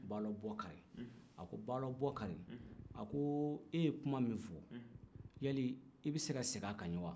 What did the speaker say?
balobokary a ko balobokary a ko e ye kuma min fɔ hali i bɛ se ka segin a kan n ye wa